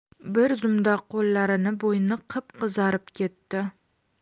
bir zumda qo'llari bo'yni qip qizarib ketdi